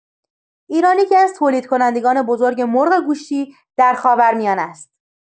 ایران یکی‌از تولیدکنندگان بزرگ مرغ گوشتی در خاورمیانه است.